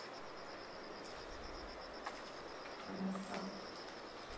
canvassapp